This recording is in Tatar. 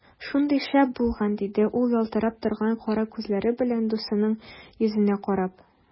Шундый шәп булган! - диде ул ялтырап торган кара күзләре белән дусының йөзенә карап.